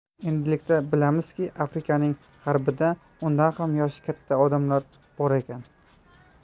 endilikda bilamizki afrikaning g'arbida undan ham yoshi katta odamlar bor ekan